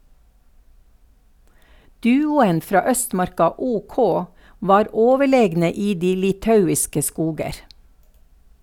Duoen fra Østmarka OK var overlegne i de litauiske skoger.